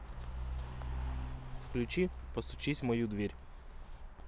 включи постучись в мою дверь